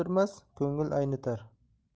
o'ldirmas ko'ngil aynitar